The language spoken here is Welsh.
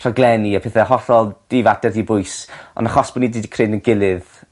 rhaglenni a pethe hollol difater dibwys on' achos bo' ni 'di 'di creu n'w gilydd